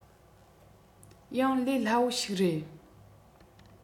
ཡང ལས སླ བོ ཞིག རེད